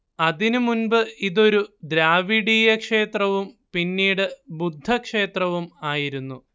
അതിനുമുൻപ് ഇതൊരു ദ്രാവിഡീയക്ഷേത്രവും പിന്നീട് ബുദ്ധക്ഷേത്രവും ആയിരുന്നു